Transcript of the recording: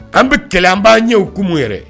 An bɛ kɛlɛ an b'an ɲɛumumu yɛrɛ